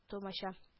-тумача